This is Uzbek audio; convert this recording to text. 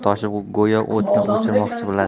toshib go'yo o'tni o'chirmoqchi bo'ladi